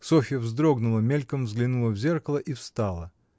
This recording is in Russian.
Софья вздрогнула, мельком взглянула в зеркало и встала.